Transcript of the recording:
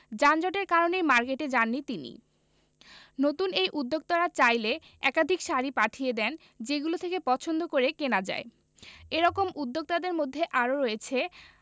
যানজটের কারণেই মার্কেটে যাননি তিনি নতুন এই উদ্যোক্তারা চাইলে একাধিক শাড়ি পাঠিয়ে দেন যেগুলো থেকে পছন্দ করে কেনা যায় এ রকম উদ্যোক্তাদের মধ্যে আরও রয়েছে